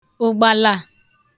ụgbalā